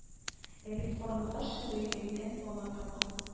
Ә бит карлыгач сүбәдәйдән бала тапкан